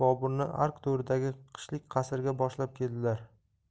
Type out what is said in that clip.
boburni ark to'ridagi qishlik qasrga boshlab keldilar